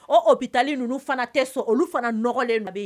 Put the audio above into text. Ɔ o bɛ taali ninnu fana tɛ so olu fana nɔgɔlen